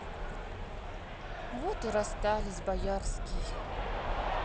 вот и расстались боярский